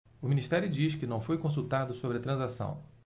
o ministério diz que não foi consultado sobre a transação